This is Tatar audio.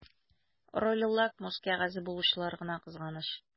Роле лакмус кәгазе булучылар гына кызганыч.